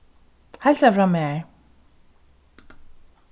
heilsa frá mær